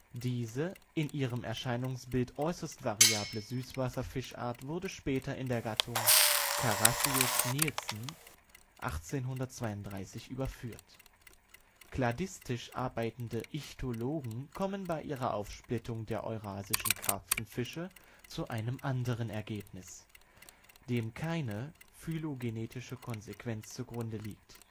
Diese in ihrem Erscheinungsbild äußerst variable Süßwasserfischart wurde später in die Gattung Carassius Nilsson 1832, überführt. Kladistisch arbeitende Ichthyologen kommen bei ihrer Aufsplittung der eurasischen Karpfenfische zu einem anderen Ergebnis, dem keine phylogenetische Konsequenz zugrunde liegt